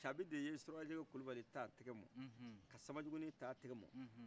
cabi de ye surakajɛkɛ kulubali t' tɛkɛ mɔ ka sanba juguni t' a tɛkɛmɔ